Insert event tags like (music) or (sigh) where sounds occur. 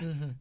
(hesitation) (hesitation)